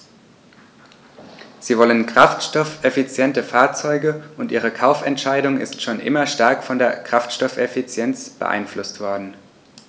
Sie wollen kraftstoffeffiziente Fahrzeuge, und ihre Kaufentscheidung ist schon immer stark von der Kraftstoffeffizienz beeinflusst worden.